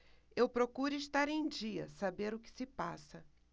eu procuro estar em dia saber o que se passa